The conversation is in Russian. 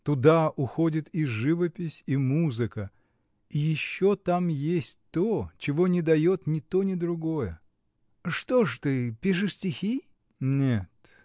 Туда уходит и живопись, и музыка — и еще там есть то, чего не дает ни то ни другое. — Что ж ты, пишешь стихи? — Нет.